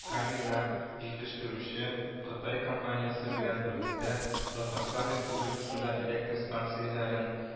Кабельләр җитештерүче кытай компаниясе белән берлектә, татарстан республикасында электр станцияләрен